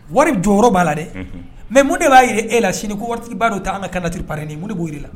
Wari jɔ b'a la dɛ mɛ mun de b'a jira e la sini waritigibaa don tɛ an ka natiri parenen mo b'ori la